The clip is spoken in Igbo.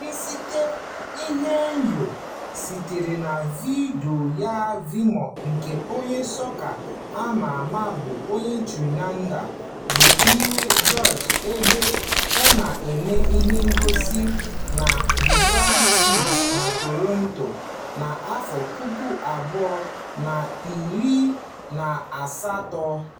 Nseta ihuenyo sitere na vidiyo Vimeo nke onye sọka a ma ama bụ onye Trinidad bụ Iwer George ebe ọ na-eme ihe ngosi na Return Fête na Toronto na 2018.